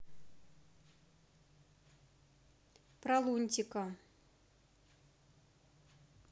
про лунтика